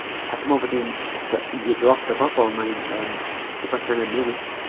A dwi'n meddwl bod hi'n, i lot o bobl, mae'n, yym, rywbeth sy' angen newid.